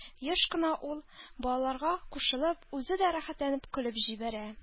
Еш кына ул, балаларга кушылып, үзе дә рәхәтләнеп көлеп җибәрә.